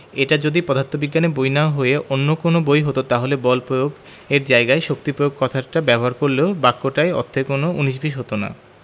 এটা যদি পদার্থবিজ্ঞানের বই না হয়ে অন্য কোনো বই হতো তাহলে বল প্রয়োগ এর জায়গায় শক্তি প্রয়োগ কথাটা ব্যবহার করলেও বাক্যটায় অর্থের কোনো উনিশ বিশ হতো না